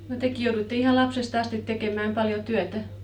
no tekin jouduitte ihan lapsesta asti tekemään paljon työtä